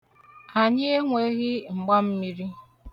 Anyị enweghị mgbammiri.